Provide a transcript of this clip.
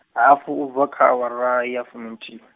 hafu a bva kha awara ya fuminthihi.